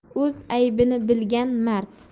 o'z aybini bilgan mard